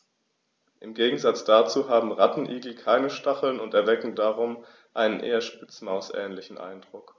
Im Gegensatz dazu haben Rattenigel keine Stacheln und erwecken darum einen eher Spitzmaus-ähnlichen Eindruck.